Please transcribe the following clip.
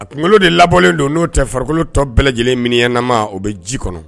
A kunkolo de labɔlen don n'o tɛ farikolo tɔ bɛɛ lajɛlen miniɲanama o bɛ ji kɔnɔ